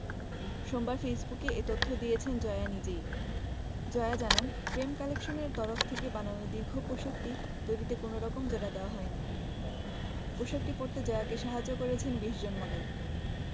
সোমবার ফেসবুকে এ তথ্য দিয়েছেন জয়া নিজেই জয়া জানান প্রেম কালেকশন এর তরফ থেকে বানানো দীর্ঘ পোশাকটি তৈরিতে কোনো রকম জোড়া দেয়া হয়নি পোশাকটি পরতে জয়াকে সাহায্য করেছেন ২০ জন মডেল